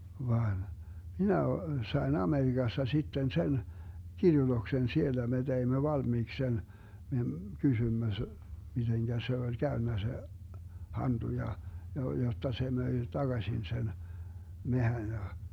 vaan minä - sain Amerikasta sitten sen kirjoituksen siellä me teimme valmiiksi sen me kysyimme - miten se oli käynyt se hantu ja ja jotta se myi takaisin sen metsän ja